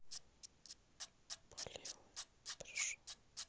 болело и прошло